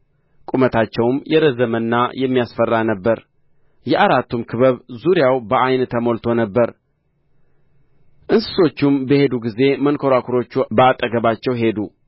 ቁመታቸውም የረዘመና የሚያስፈራ ነበረ የአራቱም ክበብ ዙሪያው በዓይን ተሞልቶ ነበር እንስሶቹም በሄዱ ጊዜ መንኰራኵሮቹ በአጠገባቸው ሄዱ